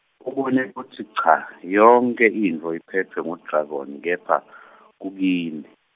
ubone kutsi cha, yonkhe intfo iphetfwe ngu-dragon kepha , kukini.